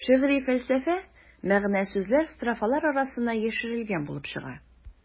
Шигъри фәлсәфә, мәгънә-сүзләр строфалар арасына яшерелгән булып чыга.